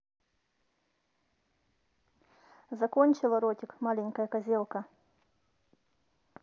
закончила ротик маленькая козелка